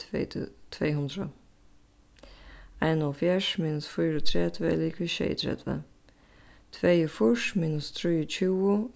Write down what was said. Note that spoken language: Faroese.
tvey hundrað einoghálvfjerðs minus fýraogtretivu er ligvið sjeyogtretivu tveyogfýrs minus trýogtjúgu